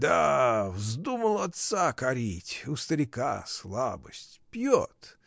— Да, вздумал отца корить: у старика слабость — пьет.